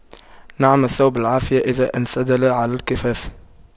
نعم الثوب العافية إذا انسدل على الكفاف